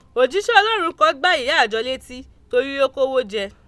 "Òjíṣẹ́ ọlọ́run kan gbá ìyá ìjọ létí torí ó kówó jẹ.